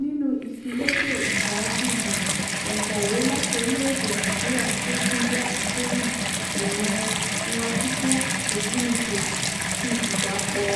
Nínú ìfiléde ìṣààjú yìí, òǹkọ̀wé láti orílẹ̀-èdè Nigeria tí ó tún jẹ́ akẹwì ìyẹn Nwachukwu Egbunike fi ìdàpọ̀